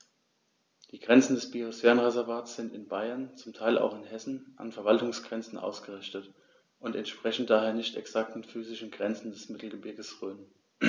Die Grenzen des Biosphärenreservates sind in Bayern, zum Teil auch in Hessen, an Verwaltungsgrenzen ausgerichtet und entsprechen daher nicht exakten physischen Grenzen des Mittelgebirges Rhön.